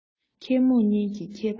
མཁས རྨོངས གཉིས ཀྱི ཁྱད པར ཤེས